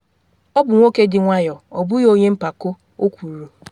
“Ọ bụ nwoke dị nwayọ, ọ bụghị onye mpako,” o kwuru.